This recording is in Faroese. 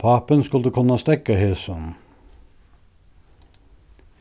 pápin skuldi kunnað steðgað hesum